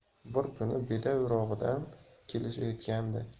bir kuni beda o'rog'idan kelishayotgandi